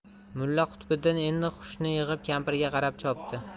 mulla qutbiddin endi hushini yig'ib kampirga qarab chopdi